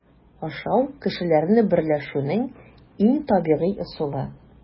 Ашау - кешеләрне берләшүнең иң табигый ысулы.